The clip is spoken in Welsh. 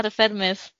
Ar y ffermydd.